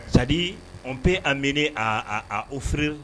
Sa an bɛ a minɛ a oofi